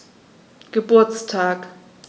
Geburtstag